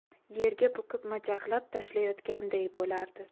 yerga bukib majaqlab tashlayotganday bo'lardi